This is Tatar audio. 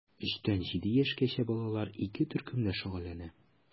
3 тән 7 яшькәчә балалар ике төркемдә шөгыльләнә.